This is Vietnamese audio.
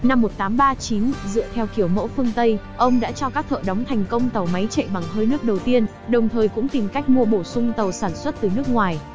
năm dựa theo kiểu mẫu phương tây ông đã cho các thợ đóng thành công tàu máy chạy bằng hơi nước đầu tiên đồng thời cũng tìm cách mua bổ sung tàu sản xuất từ nước ngoài